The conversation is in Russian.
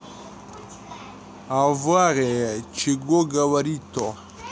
авария чего говорить то